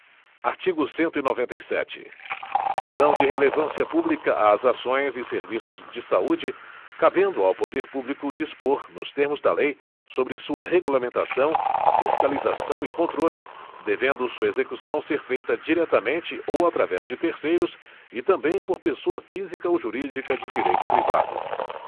artigo cento e noventa e sete são de relevância pública as ações e serviços de saúde cabendo ao poder público dispor nos termos da lei sobre sua regulamentação fiscalização e controle devendo sua execução ser feita diretamente ou através de terceiros e também por pessoa física ou jurídica de direito privado